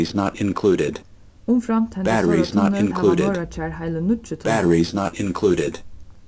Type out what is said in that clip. umframt hendan stóra tunnil hava norðuroyggjar heili níggju tunlar